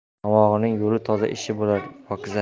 tomog'ining yo'li toza ishi bo'lar pokiza